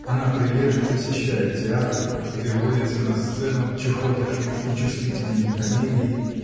Она прилежно посещает театр, где выводятся на сцену чахоточные и чувствительные камелии